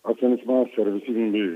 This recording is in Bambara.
Afifin fɛ bɛ yen